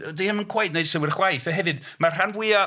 'Di hynny ddim yn cweit wneud synnwyr chwaith a hefyd mae'r rhan fwya...